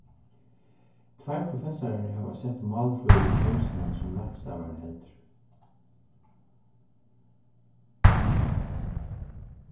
tveir professarar hava sett málfrøðiligu kósina sum rættstavarin heldur